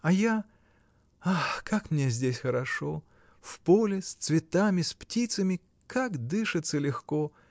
А я — ах, как мне здесь хорошо: в поле, с цветами, с птицами, как дышится легко!